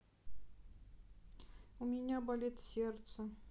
у меня болит сердце